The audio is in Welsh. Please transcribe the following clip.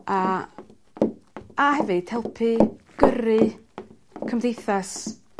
a a hefyd helpu gyrru cymdeithas